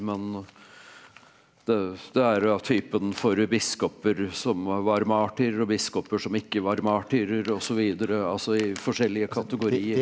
men det det er av typen for biskoper som var martyrer og biskoper som ikke var martyrer osv. altså i forskjellige kategorier.